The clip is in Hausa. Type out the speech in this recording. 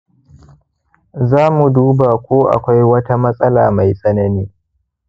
za mu duba ko akwai wata matsala mai tsanani.